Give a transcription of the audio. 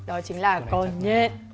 đó chính là con nhện